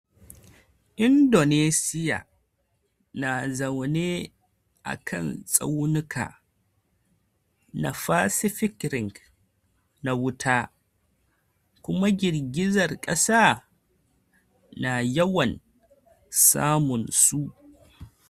Indonesia na zaune a kan tsaunuka na Pacific Ring na Wuta kuma girgizar kasa na yawan samunsu.